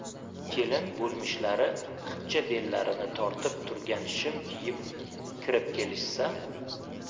kelin bo'lmishlari xipcha bellarini tortib turgan shim kiyib kirib kelishsa